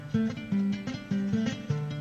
San